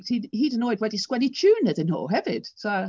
Ti hyd yn oed wedi sgwennu tiwn iddyn nhw hefyd, so...